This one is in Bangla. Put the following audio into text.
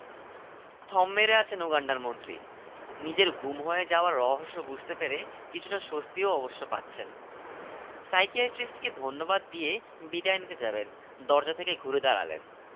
থম মেরে আছেন উগান্ডার মন্ত্রী নিজের গুম হয়ে যাওয়ার রহস্য বুঝতে পেরে কিছুটা স্বস্তিও অবশ্য পাচ্ছেন সাইকিয়াট্রিস্টকে ধন্যবাদ দিয়ে বিদায় নিতে যাবেন দরজা থেকে ঘুরে দাঁড়ালেন